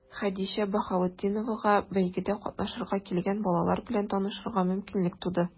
Хәдичә Баһаветдиновага бәйгедә катнашырга килгән балалар белән танышырга мөмкинлек туды.